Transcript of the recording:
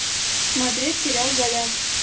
смотреть сериал голяк